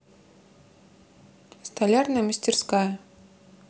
столярная мастерская